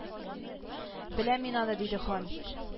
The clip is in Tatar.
Беләм мин аны диде хан